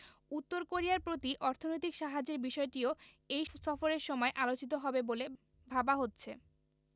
উত্তর কোরিয়ার প্রতি অর্থনৈতিক সাহায্যের বিষয়টিও এই সফরের সময় আলোচিত হবে বলে ভাবা হচ্ছে